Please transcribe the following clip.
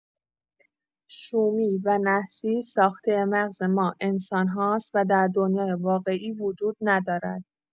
شومی و نحسی ساخته مغز ما انسان‌هاست و در دنیای واقعی وجود ندارد.